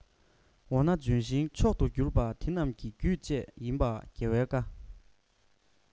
འོ ན ལྗོན ཤིང མཆོག ཏུ འགྱུར པ དེ རྣམས ཀྱི རྒྱུད བཅས ཡིན པ རྒྱལ བའི བཀའ